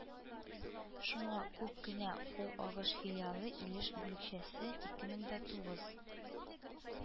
Шуңа күп кенә ху агыш филиалы Илеш бүлекчәсе ике мең дә тугыз